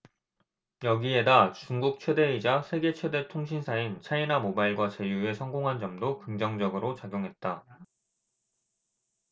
여기에다 중국 최대이자 세계 최대 통신사인 차이나모바일과 제휴에 성공한 점도 긍정적으로 작용했다